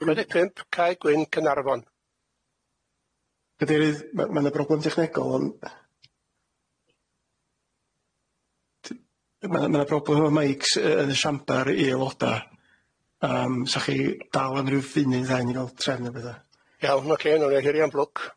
Chwe deg pump Cae Gwyn Caernarfon. Cadeirydd ma' ma' na broblem dechnegol ond yy t- ma' na ma' na broblem efo meics yy yn y siambar i aeloda yym sa chi dal am ryw funud dda i ni ga'l trefnu petha? Iawn oce nawn ni ohirian hirian blwc.